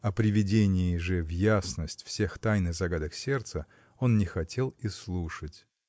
О приведении же в ясность всех тайн и загадок сердца он не хотел и слушать.